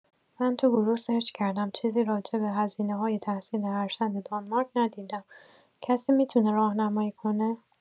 من تو گروه سرچ کردم چیزی راجع‌به هزینه‌های تحصیل ارشد دانمارک ندیدم، کسی می‌تونه راهنمایی کنه؟